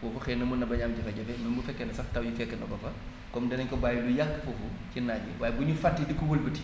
foofa xëy na mën na bañ a am jafe-jafe même bu fekkee ni sax taw yi fekk na ko fa comme danañ ko bàyyi lu yàgg foofu ci naaj bi waaye buñu fàtte di ko wëlbati